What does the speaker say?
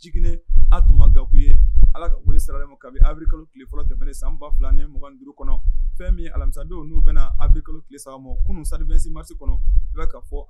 Jiginɛ Atuma Gaku, allah ka weele se la ale mɔ kabini awril kalo tile fɔlɔ tɛmɛn san ba 2025 kɔnɔ, fɛn min alamisadon, n'o bɛna awril kalo tile3 mɔ kunun stade 26 mars kɔnɔ a jira ka fɔ.